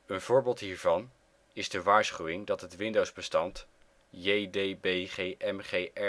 Een voorbeeld hiervan is de waarschuwing dat het Windowsbestand JDBGMGR.EXE een